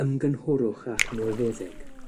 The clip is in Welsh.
ymgynghorwch a'ch milfeddyg.